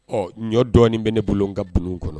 Ɔ ɲɔ dɔɔnin bɛ ne bolo ka bulon kɔnɔ